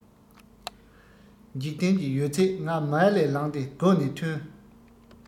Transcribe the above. འཇིག རྟེན གྱི ཡོད ཚད ང མལ ལས ལངས ཏེ སྒོ ནས ཐོན